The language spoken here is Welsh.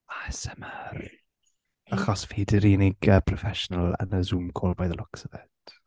ASMR achos fi ydi'r unig professional yn y Zoom call by the looks of it.